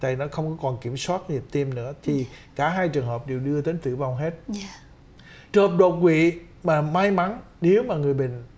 tài năng không còn kiểm soát nhịp tim nữa thì cả hai trường hợp đều đưa đến tử vong hết trộm đột quỵ bà may mắn nếu mà người bệnh